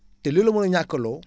te li la mun a ñàkkloo